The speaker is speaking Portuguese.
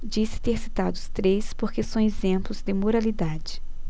disse ter citado os três porque são exemplos de moralidade